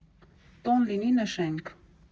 Տոն լինի, նշենք։